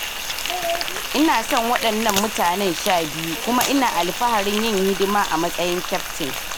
Ina son wadannan mutanen 12 kuma ina alfaharin yin hidima a matsayin kyaftin.